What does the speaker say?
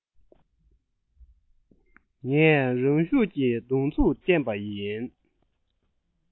ངས རང ཤུགས ཀྱིས མདུང ཚུགས བསྟན པ ཡིན